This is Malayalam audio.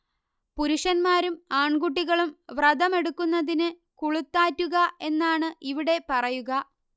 പുരുഷന്മാരും ആൺകുട്ടികളും വ്രതമെടുക്കുന്നതിന് കുളുത്താറ്റുക എന്നാണ് ഇവിടെ പറയുക